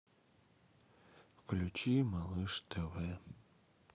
включи малыш тв